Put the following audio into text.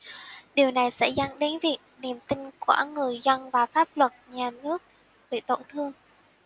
điều này sẽ dẫn đến việc niềm tin của người dân vào pháp luật nhà nước bị tổn thương